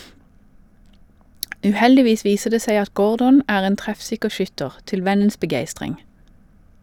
Uheldigvis viser det seg at Gordon er en treffsikker skytter, til vennens begeistring.